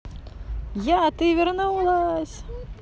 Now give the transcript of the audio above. я ты вернулась